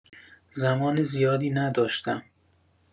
زمان زیادی نداشتم.